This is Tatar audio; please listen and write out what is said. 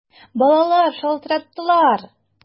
Балалар шалтыраттылар!